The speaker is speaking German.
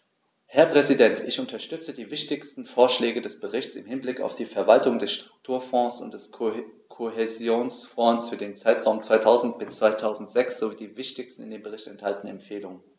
Herr Präsident, ich unterstütze die wichtigsten Vorschläge des Berichts im Hinblick auf die Verwaltung der Strukturfonds und des Kohäsionsfonds für den Zeitraum 2000-2006 sowie die wichtigsten in dem Bericht enthaltenen Empfehlungen.